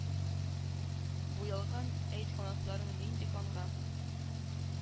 Буялган, әйт, канатларың нинди канга?» —